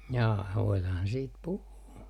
jaa voidaanhan siitä puhua